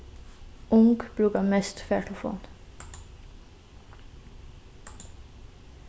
ung brúka mest fartelefon